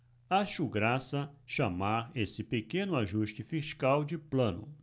acho graça chamar esse pequeno ajuste fiscal de plano